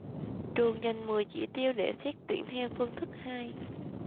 trường dành mười chỉ tiêu để xét tuyển theo phương thức hai